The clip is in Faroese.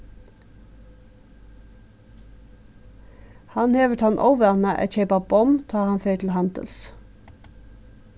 hann hevur tann óvana at keypa bomm tá hann fer til handils